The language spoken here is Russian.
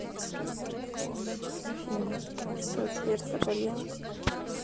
афина что сбер заболел